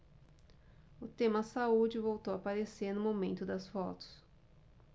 o tema saúde voltou a aparecer no momento das fotos